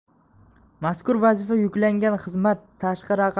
mazkur vazifa yuklangan xizmat tashqi